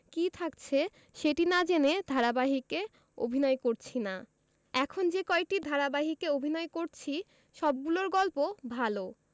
কী থাকছে সেটি না জেনে ধারাবাহিকে অভিনয় করছি না এখন যে কয়টি ধারাবাহিকে অভিনয় করছি সবগুলোর গল্প ভালো